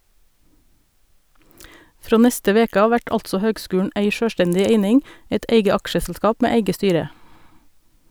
Frå neste veke av vert altså høgskulen ei sjølvstendig eining, eit eige aksjeselskap med eige styre.